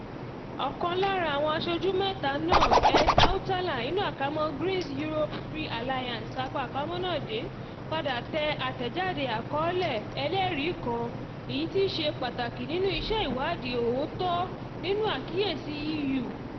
Ọkàn lára àwọn aṣojú mẹ́ta náà, Heidi Hautala (Greens-European-Free Alliance), padà tẹ àtẹ̀jáde àkọ́ọ́lẹ̀ ẹlẹ́rìí kan èyí tí í ṣe pàtàkì nínú iṣẹ́ ìwádìí òótọ́ nínú Aṣàkíyèsí EU